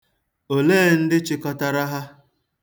Olee ndị chịkọtara ha?